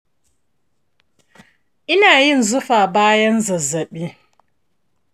ina yin zufa bayan zazzaɓi.